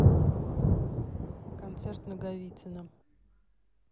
концерт наговицына